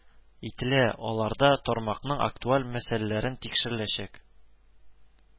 Ителә, аларда тармакның актуаль мәсьәләләре тикшереләчәк